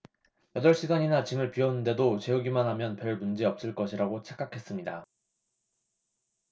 여덟 시간이나 집을 비웠는데도 재우기만하면 별문제 없을 것이라고 착각했습니다